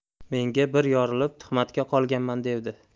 menga bir yorilib tuhmatga qolganman devdi